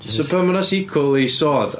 So pam mae 'na sequel i sword?